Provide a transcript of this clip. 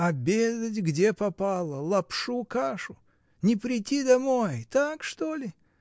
— Обедать, где попало, лапшу, кашу? не прийти домой. так, что ли?